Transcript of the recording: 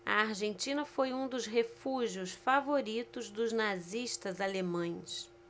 a argentina foi um dos refúgios favoritos dos nazistas alemães